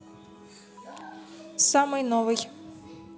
самый новый